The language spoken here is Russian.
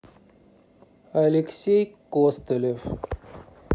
алексей костылев